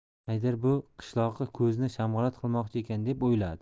haydar bu qishloqi ko'zni shamg'alat qilmoqchi ekan deb o'yladi